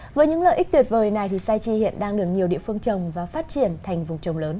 với những lợi ích tuyệt vời này thì sai chi hiện đang được nhiều địa phương trồng và phát triển thành vườn trồng lớn